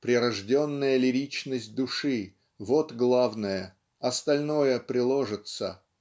Прирожденная лиричность души - вот главное; остальное приложится.